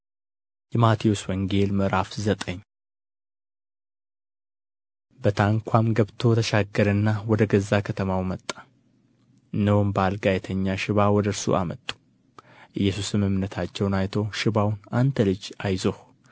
﻿የማቴዎስ ወንጌል ምዕራፍ ዘጠኝ በታንኳም ገብቶ ተሻገረና ወደ ገዛ ከተማው መጣ እነሆም በአልጋ የተኛ ሽባ ወደ እርሱ አመጡ ኢየሱስም እምነታቸውን አይቶ ሽባውን አንተ ልጅ አይዞህ